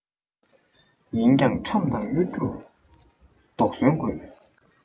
ཡིན ཀྱང ཁྲམ དང གཡོ སྒྱུར དོགས ཟོན དགོས